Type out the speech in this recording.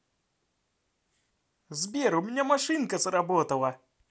сбер у меня машинка заработала